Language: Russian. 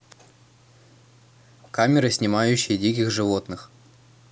камеры снимающие диких животных